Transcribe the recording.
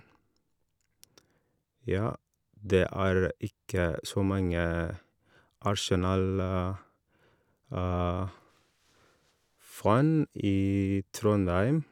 Ja, det er ikke så mange Arsenalfan i Trondheim.